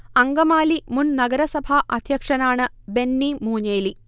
അങ്കമാലി മുൻ നഗരസഭാ അധ്യക്ഷനാണ് ബെന്നി മൂഞ്ഞേലി